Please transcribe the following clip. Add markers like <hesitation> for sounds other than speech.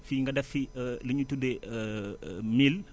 fii nga def fi <hesitation> lu ñuy tuddee <hesitation> mil